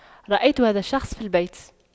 رأيت هذا الشخص في البيت